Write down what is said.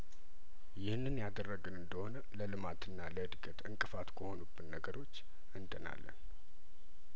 ይህንን ያደረግን እንደሆነ ለልማትና ለእድገት እንቅፋት ከሆኑ ብን ነገሮች እንድናለን